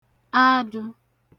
adụ̄